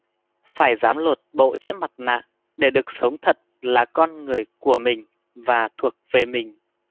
phải dám lột bộ chiếc mặt nạ để được sống thật là con người của mình và thuộc về mình